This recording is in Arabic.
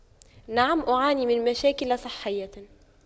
نعم أعاني من مشاكل صحية